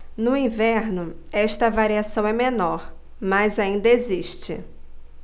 no inverno esta variação é menor mas ainda existe